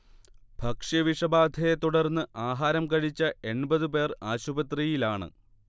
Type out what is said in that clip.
ഭക്ഷ്യ വിഷബാധയെ തുടർന്ന് ആഹാരം കഴിച്ച എൺപതു പേർആശുപത്രിയിലാണ്